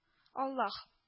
Аллаһ